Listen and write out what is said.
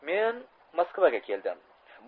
men moskvaga keldim